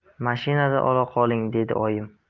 mashinada ola qoling dedi oyim